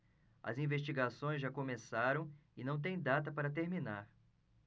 as investigações já começaram e não têm data para terminar